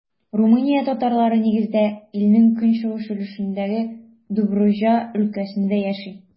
Румыния татарлары, нигездә, илнең көнчыгыш өлешендәге Добруҗа өлкәсендә яши.